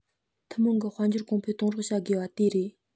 ཐུན མོང གི དཔལ འབྱོར གོང འཕེལ གཏོང རོགས བྱ དགོས པ དེ རེད